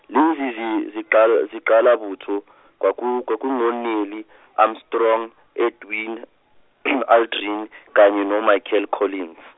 lezi zi- zigqal- zigqalabutho, kwaku kwaku ngo- Nelly Amstrong, Edwin, Aldrin, kanye no- Michael Colins.